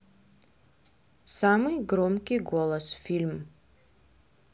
самый громкий голос фильм